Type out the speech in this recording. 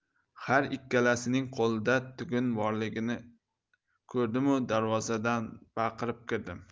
har ikkalasining qo'lida tugun borligini ko'rdimu darvozadan baqirib kirdim